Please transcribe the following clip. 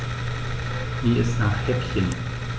Mir ist nach Häppchen.